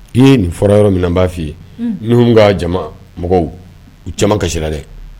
N ye nin fɔra yɔrɔ min b'a fɔ ye n' ka jama mɔgɔw u cɛman kasira dɛ